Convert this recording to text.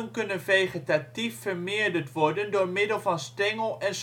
kunnen vegetatief vermeerderd worden door middel van stengel - en scheutstek